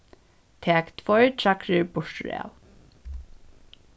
tak tveir træðrir burturav